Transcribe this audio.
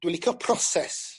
dwi licio proses